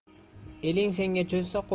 eling senga cho'zsa qo'l